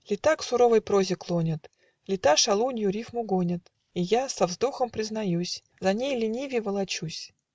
Лета к суровой прозе клонят, Лета шалунью рифму гонят, И я - со вздохом признаюсь - За ней ленивей волочусь.